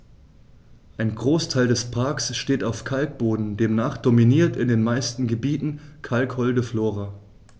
Ein Großteil des Parks steht auf Kalkboden, demnach dominiert in den meisten Gebieten kalkholde Flora.